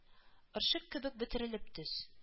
Орчык кебек бөтерелеп төз